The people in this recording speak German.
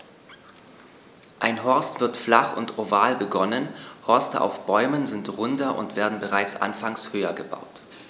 Ein Horst wird flach und oval begonnen, Horste auf Bäumen sind runder und werden bereits anfangs höher gebaut.